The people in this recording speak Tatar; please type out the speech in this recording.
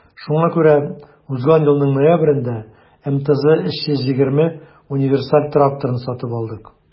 Шуңа күрә узган елның ноябрендә МТЗ 320 универсаль тракторын сатып алдык.